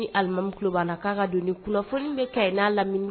Lima ka don ni kunnafoni bɛ lam